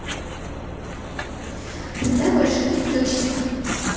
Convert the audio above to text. тогда больше не включиться